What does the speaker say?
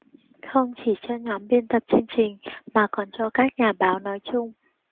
không chỉ cho nhóm biên tập chương trình mà còn cho các nhà báo nói chung